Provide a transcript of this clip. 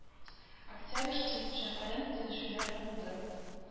Октябрьский шәһәрен төзүчеләр булды